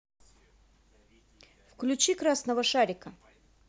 включи красного шарика